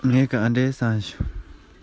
དེ ནས རྒྱ སྐས ལས གོམ སྒྲ གྲགས